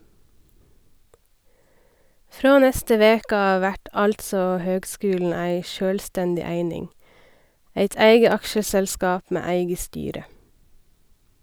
Frå neste veke av vert altså høgskulen ei sjølvstendig eining, eit eige aksjeselskap med eige styre.